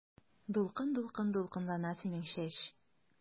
Дулкын-дулкын дулкынлана синең чәч.